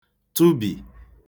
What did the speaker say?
tụbi